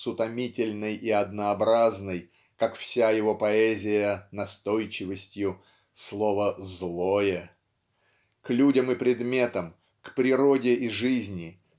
с утомительной и однообразной как вся его поэзия настойчивостью слово злое. К людям и предметам к природе и жизни